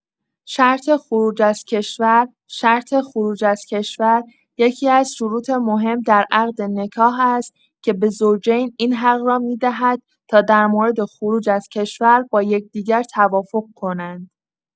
شرط خروج از کشور شرط خروج از کشور یکی‌از شروط مهم در عقد نکاح است که به زوجین این حق را می‌دهد تا در مورد خروج از کشور با یکدیگر توافق کنند.